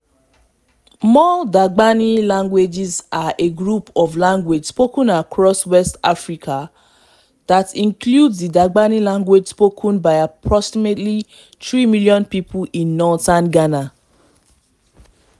Mole-Dagbani languages are a group of languages spoken across West Africa that includes the Dagbani language spoken by approximately three million people in northern Ghana.